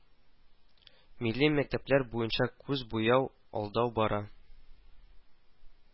Милли мәктәпләр буенча күз буяу, алдау бара